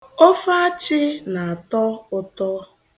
Ofe achị na-atọ ụtọ.